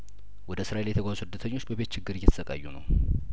ወደ እስራኤል የተጓዙ ስደተኞች በቤት ችግር እየተሰቃዩ ነው